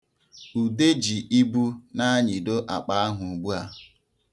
Ude ji ibu na-anyịdo akpa ahụ ugbua.